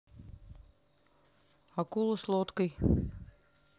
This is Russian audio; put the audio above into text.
акула с лодкой